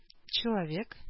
Человек